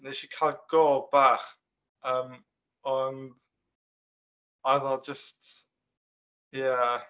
Wnes i cael go bach yym, ond oedd o jyst, ia...